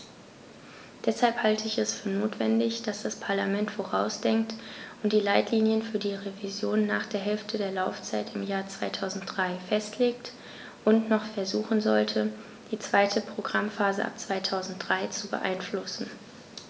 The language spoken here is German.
Deshalb halte ich es für notwendig, dass das Parlament vorausdenkt und die Leitlinien für die Revision nach der Hälfte der Laufzeit im Jahr 2003 festlegt und noch versuchen sollte, die zweite Programmphase ab 2003 zu beeinflussen.